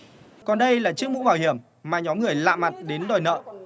còn đây là chiếc mũ bảo hiểm mà nhóm người lạ mặt đến đòi nợ